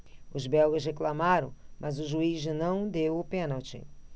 os belgas reclamaram mas o juiz não deu o pênalti